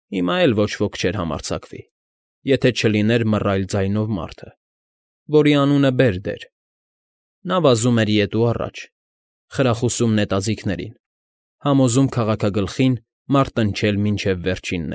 Հիմա էլ ոչ ոք չէր համարձակվի, եթե չլիներ մռայլ ձայնով մարդը, որի անունը Բերդ էր. նա վազում էր ետ ու առաջ, խրախուսում նետաձիգներին, համոզում քաղաքագլխին՝ մարտնչել մինչև վերջին։